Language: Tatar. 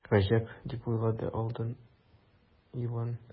“гаҗәп”, дип уйлап алды иван.